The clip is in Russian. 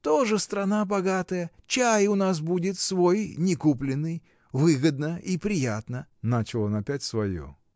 тоже страна богатая — чай у нас будет свой, некупленный: выгодно и приятно. — начал он опять свое.